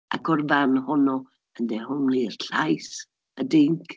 Ac o'r farn honno yn dehongli'r llais, y dinc.